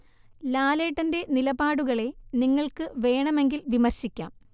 ലാലേട്ടന്റെ നിലപാടുകളെ നിങ്ങൾക്ക് വേണമെൻകിൽ വിമർശിക്കാം